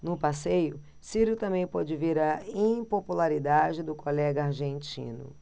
no passeio ciro também pôde ver a impopularidade do colega argentino